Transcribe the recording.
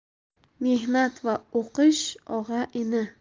mehnat va o'qish og'a ini